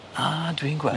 Ah dwi'n gweld.